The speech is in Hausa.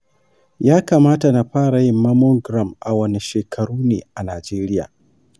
ya kamata na fara yin mammogram a wane shekarune a najeriya?